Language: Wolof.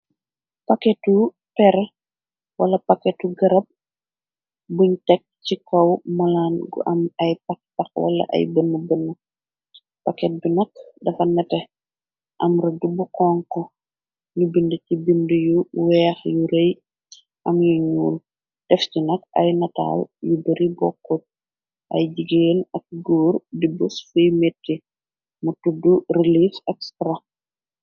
Paketu per wala paketu gërab buñ tekk ci kaw malaan gu am ay pakk-tax wala ay bënn bën paket bi nak dafa nete am rëdd bu xonko ñu bind ci bind yu weex yu rëy am yi ñuul def ci nax ay nataaw yu duri bokkoot ay jigeen ak góor di bus fuy miti mu tudd reliis ak stra.